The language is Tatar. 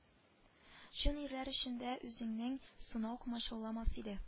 Чын ирләр эшендә үзеңнең сынау комачауламас иде